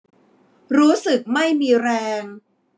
รู้สึกไม่มีแรง